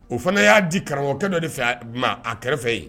O fana y'a di karamɔgɔkɛ dɔ de fɛ ma a kɛrɛfɛ yen.